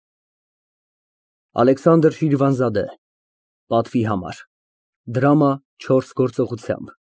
Ալեքսանդր Շիրվանզադե Պատվի Համար դրամա չորս գործողությամբ։